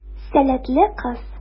Сәләтле кыз.